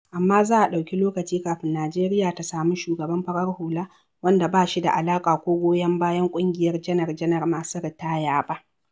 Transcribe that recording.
Amma za a ɗauki lokaci kafin Najeriya ta sami shugaban farar hula wanda ba shi da alaƙa ko goyon bayan "ƙungiyar" janar-janar masu ritaya ba.